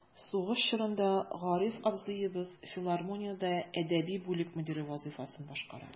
Сугыш чорында Гариф абзыебыз филармониядә әдәби бүлек мөдире вазыйфасын башкара.